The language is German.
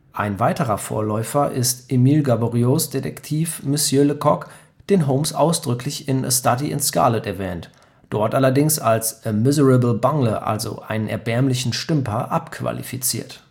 Ein weiterer Vorläufer ist Émile Gaboriaus Detektiv Monsieur Lecoq, den Holmes ausdrücklich in A Study in Scarlet erwähnt, dort allerdings als “a miserable bungler” (deutsch: „ einen erbärmlichen Stümper “) abqualifiziert